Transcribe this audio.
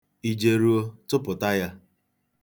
I jeruo, tụpụta ya.